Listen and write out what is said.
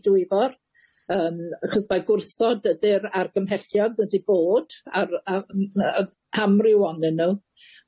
i Dwyfor yym achos mai gwrthod ydi'r argymhelliad wedi bod ar yym yy amryw onyn nw.